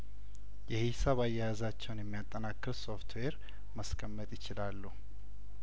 የሂሳብ አያያዛቸውን የሚያጠናክር ሶፍትዌር ማስቀመጥ ይችላሉ